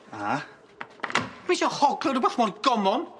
A? Dwi isio hogla rwbeth mor gomon.